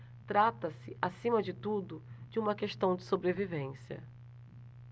trata-se acima de tudo de uma questão de sobrevivência